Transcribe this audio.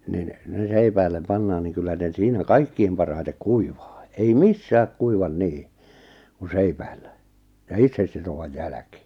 niin ne seipäille pannaan niin kyllä ne siinä kaikkein parhaiten kuivaa ei missään kuiva niin kuin seipäillä ja itsesitovan jälkeen